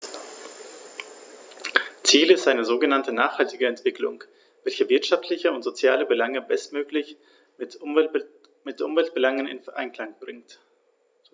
Ziel ist eine sogenannte nachhaltige Entwicklung, welche wirtschaftliche und soziale Belange bestmöglich mit Umweltbelangen in Einklang bringt.